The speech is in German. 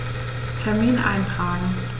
Termin eintragen